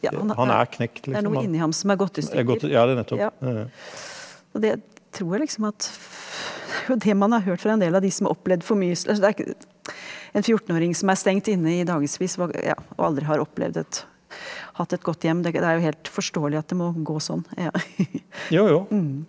ja det er noe inni ham som har gått i stykker ja og det tror jeg liksom at det er jo det man har hørt fra en del av de som har opplevd for mye altså det er ikke en fjortenåring som er stengt inne i dagesvis var ja og aldri har opplevd et hatt et godt hjem, det det er jo helt forståelig at det må gå sånn ja .